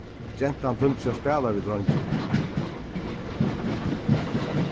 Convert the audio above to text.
gentan tímdi ikki at spæla við dreingin